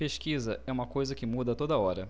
pesquisa é uma coisa que muda a toda hora